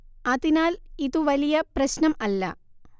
അതിനാൽ ഇതു വലിയ പ്രശ്നം അല്ല